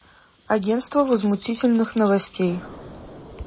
агенство возмутительных новостей